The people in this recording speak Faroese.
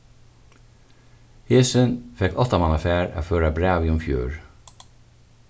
hesin fekk áttamannafar at føra brævið um fjørð